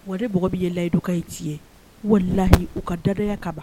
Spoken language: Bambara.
Wa b b' ye layidu ka ye tiɲɛ ye wali layi u ka dadɔya kaban